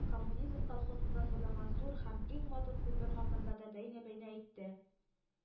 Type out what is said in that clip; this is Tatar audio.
Коммунизм колхозында салынган зур һәм иң матур күпер хакында да бәйнә-бәйнә әйтте